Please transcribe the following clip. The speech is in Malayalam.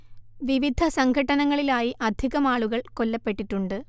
വിവിധ സംഘട്ടനങ്ങളിലായി അധികം ആളുകൾ കൊല്ലപ്പെട്ടിട്ടുണ്ട്